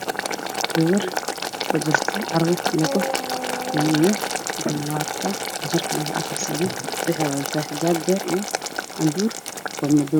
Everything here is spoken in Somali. Gabar ku jirto carwo